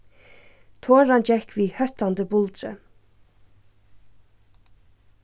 toran gekk við hóttandi buldri